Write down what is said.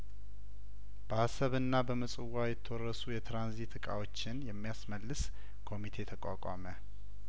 በአሰብና በምጽዋ የተወረሱ የትራንዚት እቃዎችን የሚያስ መልስ ኮሚቴ ተቋቋመ